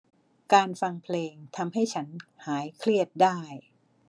การฟังเพลงทำให้ฉันหายเครียดได้